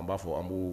An b'a fɔ an b'